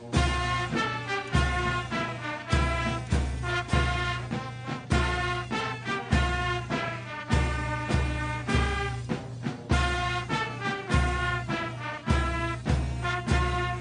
Nka mɛ mɛ kɛ nk nk nk nka mɛ mɛ nk kɛ